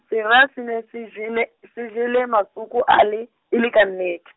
sera e ne se jele, se jele makuku ale, e lle ka nnete.